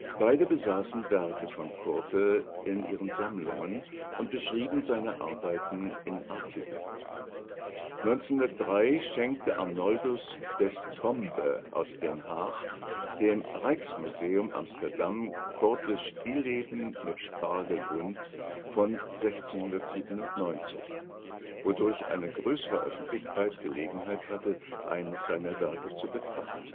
Beide besaßen Werke von Coorte in ihren Sammlungen und beschrieben seine Arbeiten in Artikeln. 1903 schenkte Arnoldus des Tombe aus Den Haag dem Rijksmuseum Amsterdam Coortes Stillleben mit Spargelbund von 1697, wodurch eine größere Öffentlichkeit Gelegenheit hatte, eines seiner Werke zu betrachten